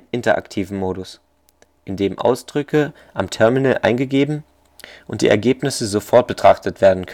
interaktiven Modus, in dem Ausdrücke am Terminal eingegeben und die Ergebnisse sofort betrachtet werden